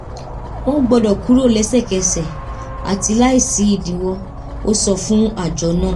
"Wọn gbọdọ kúrò lẹsẹkẹsẹ ati laisi idinwọn," o sọ fun ajọ naa.